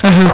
axa